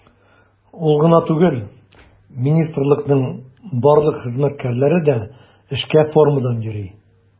Ул гына түгел, министрлыкның барлык хезмәткәрләре дә эшкә формадан йөри.